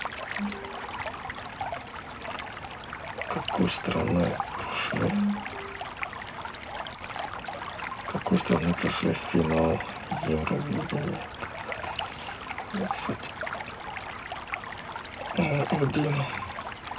какие страны прошли в финал евровидения две тысячи двадцать один